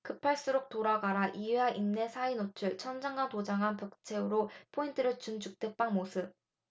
급할수록 돌아가라 이해와 인내 사이노출 천장과 도장한 벽체로 포인트를 준 주택 방 모습